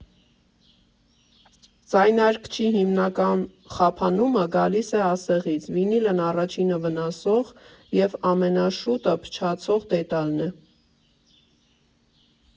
Ձայնարկիչի հիմնական խափանումը գալիս է ասեղից՝ վինիլն առաջինը վնասող և ամենաշուտը փչացող դետալն է։